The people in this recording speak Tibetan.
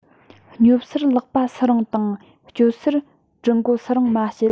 སྙོབ སར ལག པ སུ རིང དང གཅོད སར གྲི མགོ སུ རིང མ བྱེད